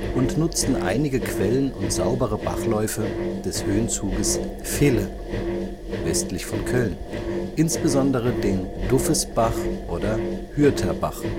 und nutzten einige Quellen und saubere Bachläufe des Höhenzuges Ville (süd -) westlich von Köln, insbesondere den Duffesbach oder Hürther Bach